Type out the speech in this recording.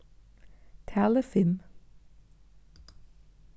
talið fimm